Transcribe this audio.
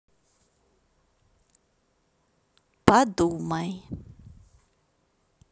подумай